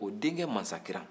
o denkɛ mansakiran